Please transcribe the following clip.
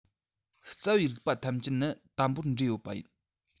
རྩ བའི རིགས པ ཐམས ཅད ནི དམ པོར འབྲེལ ཡོད པ ཡིན